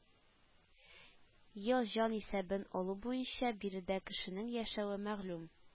Ел җанисәбен алу буенча биредә кешенең яшәве мәгълүм